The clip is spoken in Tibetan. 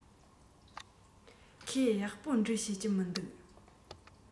ཁོས ཡག པོ འབྲི ཤེས ཀྱི མི འདུག